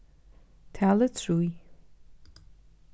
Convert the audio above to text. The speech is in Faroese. talið trý